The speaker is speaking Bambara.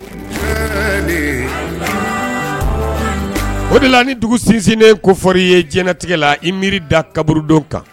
O de la ni dugu sinsinnen kofɔ i ye diɲɛtigɛ la i miiri da kaburudon kan